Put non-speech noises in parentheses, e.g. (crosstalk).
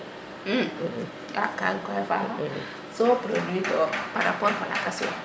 (hesitation) kaga koy a faxa so produit ke wo parapport fo lakas we